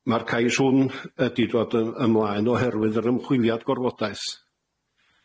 Yy ma'r cais hwn ydi dod yn ymlaen oherwydd yr ymchwiliad gorfodaeth.